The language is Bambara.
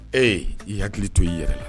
Ee hakili t to' i yɛrɛ la